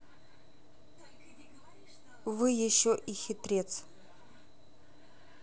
вы еще и хитрец